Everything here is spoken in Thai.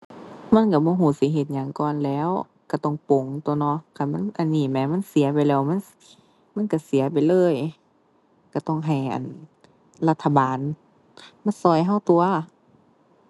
มันก็บ่ก็ว่าสิเฮ็ดหยังก่อนแหล้ว ก็ต้องปลงตั่วเนาะ คันมันอันนี้แหม มันเสียไปแล้ว มัน มันก็เสียไปเลย ก็ต้องให้ อั่น รัฐบาลมาก็ก็ตั่ว